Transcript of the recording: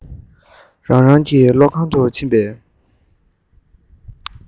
རང རང གི སློབ ཁང དུ ཕྱིན པས